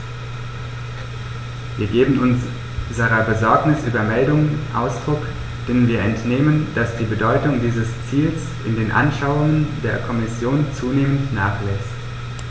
Wir geben unserer Besorgnis über Meldungen Ausdruck, denen wir entnehmen, dass die Bedeutung dieses Ziels in den Anschauungen der Kommission zunehmend nachlässt.